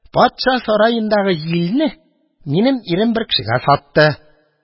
Патша сараендагы җилне минем ирем бер кешегә сатты.